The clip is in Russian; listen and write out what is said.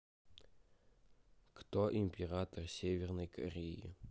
кто император северной кореи